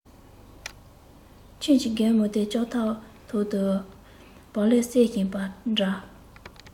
ཁྱིམ གྱི རྒན མོ དེས ལྕགས ཐབ ཐོག ཏུ བག ལེབ སྲེག བཞིན པ འདྲ